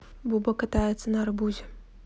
буба катается на арбузе